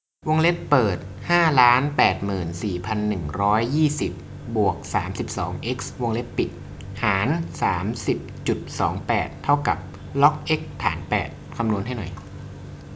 วงเล็บเปิดห้าล้านแปดหมื่นสี่พันหนึ่งร้อยยี่สิบบวกสามสิบสองเอ็กซ์วงเล็บปิดหารสามสิบจุดสองแปดเท่ากับล็อกเอ็กซ์ฐานแปดคำนวณให้หน่อย